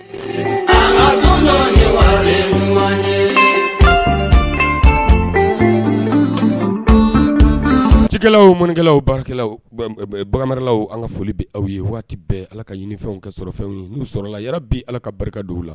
Cikɛlaw mkɛlaw barikalaw an ka foli bɛ aw ye waati bɛɛ ala ka ɲiniw ka sɔrɔ fɛnw n'u sɔrɔ la yɛrɛ bɛ ala ka barika u la